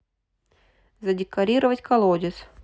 задекорировать колодец